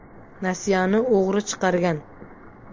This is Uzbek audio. nasiyani o'g'ri chiqargan